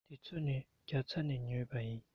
འདི ཚོ ནི རྒྱ ཚ ནས ཉོས པ ཡིན